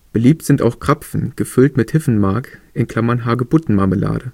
Beliebt sind auch Krapfen gefüllt mit „ Hiffenmark “(Hagebutten-Marmelade